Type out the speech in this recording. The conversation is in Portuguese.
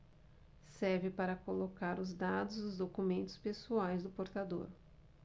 serve para colocar os dados dos documentos pessoais do portador